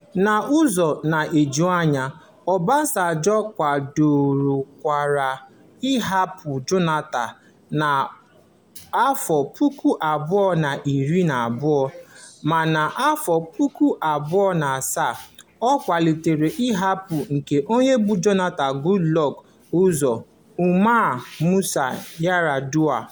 N'ụzọ na-eju anya, Obasanjo kwadokwara nhọpụta Jonathan na 2011. Ma na 2007, ọ kwalitere nhọpụta nke onye bu Jonathan Goodluck ụzọ, Umaru Musa Yar'Adua.